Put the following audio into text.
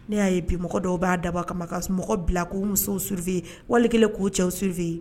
Ne y'a bimɔgɔ dɔw b'a daba kama ka mɔgɔ bila k' musow suurfɛye wali kɛlen k'u cɛw suurfɛ yen